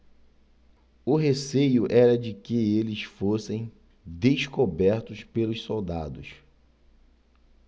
o receio era de que eles fossem descobertos pelos soldados